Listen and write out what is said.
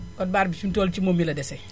code barre bi fi mu toll ci moom mii la dese